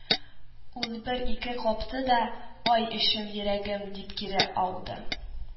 Ул бер-ике капты да, "ай эчем, йөрәгем", – дип кире ауды